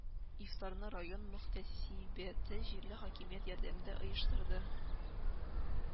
Ифтарны район мөхтәсибәте җирле хакимият ярдәмендә оештырды